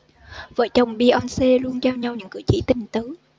vợ chồng beyonce luôn trao nhau những cử chỉ tình tứ